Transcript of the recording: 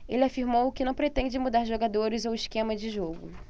ele afirmou que não pretende mudar jogadores ou esquema de jogo